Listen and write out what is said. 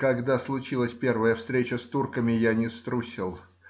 Когда случилась первая встреча с турками, я не струсил